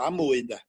a mwy ynde.